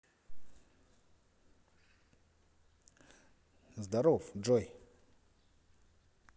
здоров джой